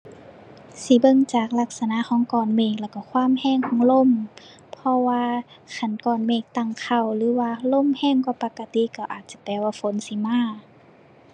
สิเบิ่งจากลักษณะของก้อนเมฆแล้วก็ความแรงของลม เพราะว่าคันก้อนเมฆตั้งเค้าหรือว่าลมแรงกว่าปกติแรงอาจจิแปลว่าฝนสิมา